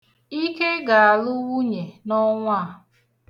Ike ga-alụ nwunye n'ọnwa a.